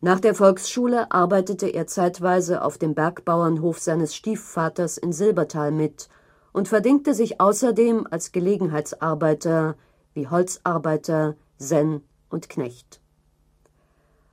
Nach der Volksschule arbeitete er zeitweise auf dem Bergbauernhof seines Stiefvaters in Silbertal mit und verdingte sich außerdem als Gelegenheitsarbeiter, wie Holzarbeiter, Senn und Knecht.